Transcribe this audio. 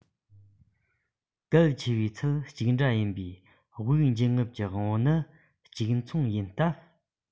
གལ ཆེ བའི ཚད གཅིག འདྲ ཡིན པའི དབུགས འབྱིན རྔུབ ཀྱི དབང པོ ནི གཅིག མཚུངས ཡིན སྟབས